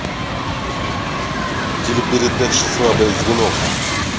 телепередача слабое звено